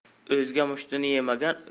o'zga mushtini yemagan